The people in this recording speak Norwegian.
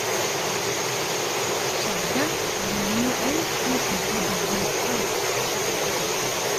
Skjæret er en ny øy utenfor dagens kai.